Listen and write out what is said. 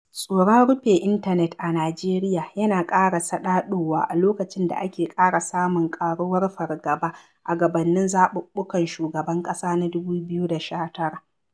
Tsoron rufe intanet a Najeriya yana ƙara saɗaɗowa a lokacin da ake ƙara samun ƙaruwar fargaba a gabanin zaɓuɓɓukan shugaban ƙasa na 2019.